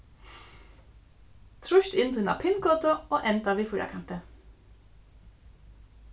trýst inn tína pin-kodu og enda við fýrakanti